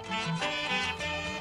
San